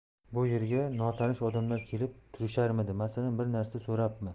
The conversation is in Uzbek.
bu yerga notanish odamlar kelib turisharmidi masalan bir narsa so'rabmi